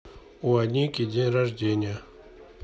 у аники день рождения